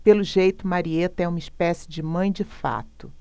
pelo jeito marieta é uma espécie de mãe de fato